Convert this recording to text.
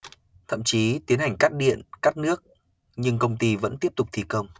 thậm chí tiến hành cắt điện cắt nước nhưng công ty vẫn tiếp tục thi công